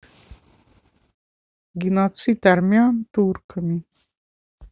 геноцид армян турками